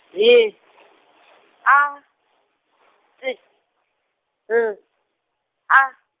H A T L A.